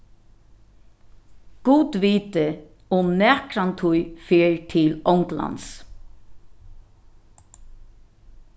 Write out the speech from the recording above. gud viti um nakrantíð fer til onglands